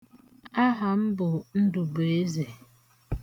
Aha m bụ Ndụbụeze.